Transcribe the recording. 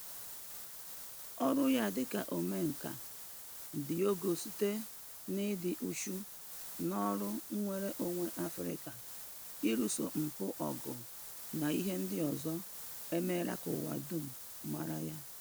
Ọrụ ya dịka omenka dị ogo site na ị dị uchu n'ọrụ nnwere onwe Afrịka, ịlụso mpụ ọgụ na ihe ndị ọzọ emeela ka ụwa dum mara ya.